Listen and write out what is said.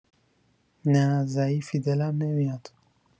نه ضعیفی دلم نمیاد